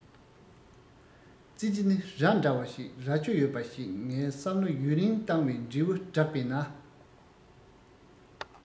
ཙི ཙི ནི ར འདྲ བ ཞིག རྭ ཅོ ཡོད པ ཞིག ངས བསམ བློ ཡུན རིང བཏང བའི འབྲས བུ བསྒྲགས པས ན